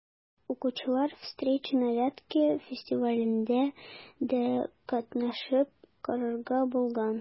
Укучылар «Встречи на Вятке» фестивалендә дә катнашып карарга булган.